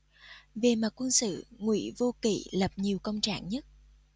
về mặt quân sự ngụy vô kỵ lập nhiều công trạng nhất